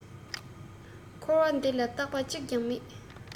འཁོར བ འདི ལ རྟག པ གཅིག ཀྱང མེད